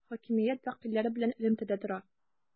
Хакимият вәкилләре белән элемтәдә тора.